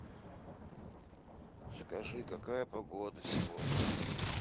скажи какая погода сегодня